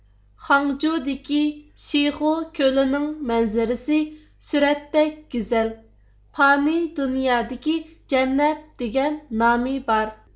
خاڭجۇدىكى شىخۇ كۆلىنىڭ مەنزىرىسى سۈرەتتەك گۈزەل پانىي دۇنيادىكى جەننەت دېگەن نامى بار